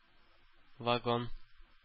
Вагон